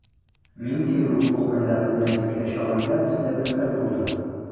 Мин Темрюк полкында хезмәт иткән чагымда, бездә бер хәл булды.